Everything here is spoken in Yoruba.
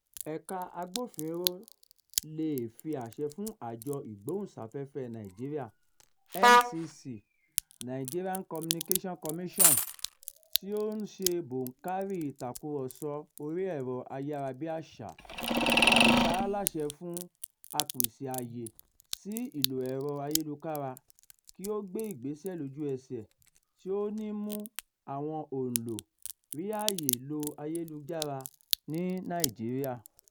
Ẹ̀ka Agbófinró leè fi àṣẹ fún Àjọ Ìgbóhùnsáfẹ́fẹ́ Nàìjíríà NCC [Nigerian Communications Commission – tí ó ń ṣe bòńkárí ìtàkùrọ̀sọ orí ẹ̀rọ ayárabíàṣá] láti pa á láṣẹ fún apèsè àyè sí ìlò ẹ̀rọ ayélujára kí ó gbé ìgbésẹ̀ lójú ẹsẹ̀ tí ò ní mú àwọn òǹlò rí àyè lo ayélujára ní Nàìjíríà.